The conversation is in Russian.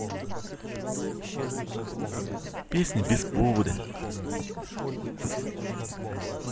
песня без повода